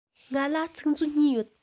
ང ལ ཚིག མཛོད གཉིས ཡོད